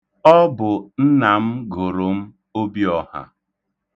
Gụọ ya Taagboo.